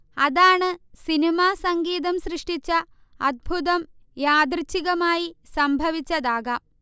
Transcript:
അതാണ് സിനിമാസംഗീതം സൃഷ്ടിച്ച അദ്ഭുതം യാദൃച്ഛികമായി സംഭവിച്ചതാകാം